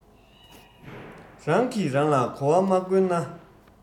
རང གི རང ལ གོ བ མ བསྐོན ན